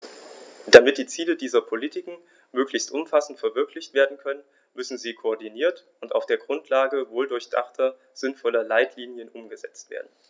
Damit die Ziele dieser Politiken möglichst umfassend verwirklicht werden können, müssen sie koordiniert und auf der Grundlage wohldurchdachter, sinnvoller Leitlinien umgesetzt werden.